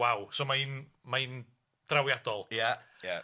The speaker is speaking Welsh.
Waw so mae 'i'n mae'n drawiadol. Ia ia.